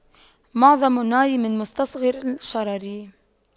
معظم النار من مستصغر الشرر